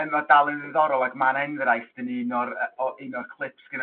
yym ma' dal yn ddiddorol ag ma' 'na enghraifft yn un o'r o un o'r clips gyna